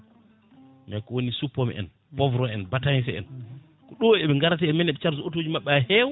mais ko woni suppome en poivron en batayse en ko ɗo eɓe garata e men eɓe charge ji otoji mabɓe ha hewa